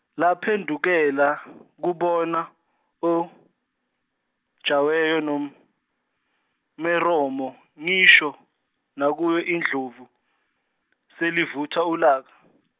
laphendukela kubona oJaweho- noM- Meromo ngisho nakuyo indlovu selivutha ulaka.